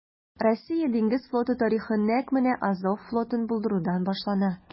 Россия диңгез флоты тарихы нәкъ менә Азов флотын булдырудан башлана.